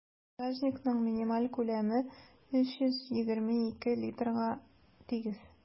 Багажникның минималь күләме 322 литрга тигез.